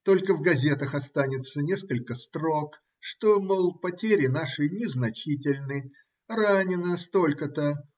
Только в газетах останется несколько строк, что, мол, потери наши незначительны ранено столько-то